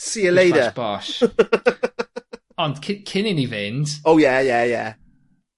See ya later. Bish bash bosh. Ond cy- cyn i ni fynd. O ie ie ie.